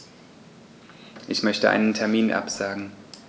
Ich möchte einen Termin absagen.